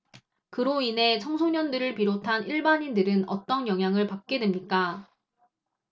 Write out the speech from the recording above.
그로 인해 청소년들을 비롯한 일반인들은 어떤 영향을 받게 됩니까